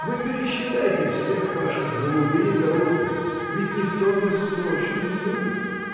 Вы пересчитайте всех ваших голубей и голубок: ведь никто бессрочно не любит.